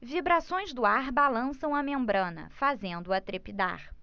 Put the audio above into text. vibrações do ar balançam a membrana fazendo-a trepidar